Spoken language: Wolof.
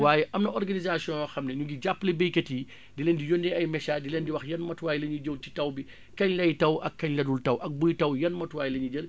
waaye am na organisation yoo xam ne ñu ngi jàppale baykat yi di leen di yónnee ay messages di leen di wax yan matuwaay la ñuy jël ci taw bi kañ lay taw ak kañ la dul taw ak buy taw yan matuwaay la ñuy jël